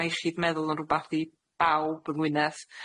ma' iechyd meddwl yn rwbath i bawb yng Ngwynedd,